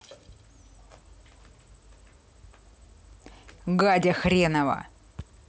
гадя хренова